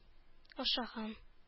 Ашаган